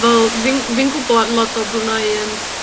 Fel fi'n fi'n gwbo lot o Bruneians,